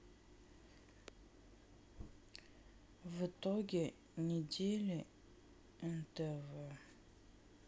в итоге недели нтв